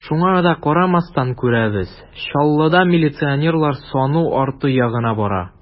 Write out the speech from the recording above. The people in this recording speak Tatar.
Шуңа да карамастан, күрәбез: Чаллыда миллионерлар саны арту ягына бара.